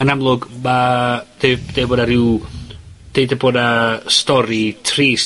yn amlwg, ma' de- deud bo' 'na ryw, deuda bo' 'na stori trist